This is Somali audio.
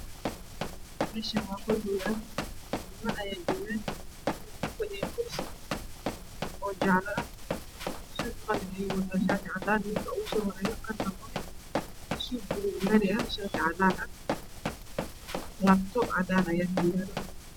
Meshan waa qol hol ah niman ayaa joogan wexey ku fadhiyan kursi jala ah sud qalina ayuu wataa iyo shati cadaan ah ninka kalena suud bulug mariya iyo hshar cadan ah labtoob cadana ayaa uyala